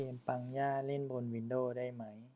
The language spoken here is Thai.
เกมปังย่าเล่นบนวินโด้ได้ไหม